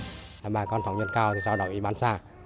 bà con thống nhất cao thì sau đó ủy ban xã